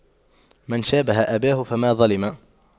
من شابه أباه فما ظلم